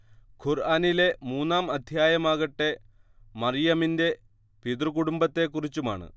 ഖുർആനിലെ മൂന്നാം അധ്യായമാകട്ടെ മർയമിന്റെ പിതൃകുടുംബത്തെ കുറിച്ചുമാണ്